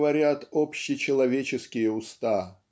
говорят общечеловеческие уста